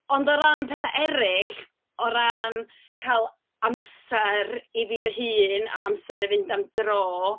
Ond o ran petha eraill, o ran cael amser i fi fy hun a amser i fynd am dro...